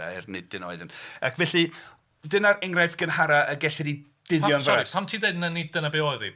Er nid dyna oedd hwn... Ac felly dyna'r enghraifft gynharaf y gellir ei dyddio'n fras... Sori pam ti'n dweud 'na nid yna be oedd hi?